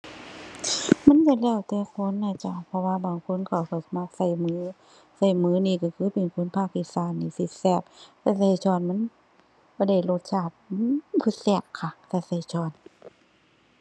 มันก็แล้วแต่คนน่ะจ้ะ เพราะว่าบางคนเขาก็มักก็มือ ก็มือนี่ก็คือเป็นคนภาคอีสานนี่สิแซ่บ แต่ใช้ช้อนมันบ่ได้รสชาติ อื้ม คือแซ่บคักถ้าใช้ช้อน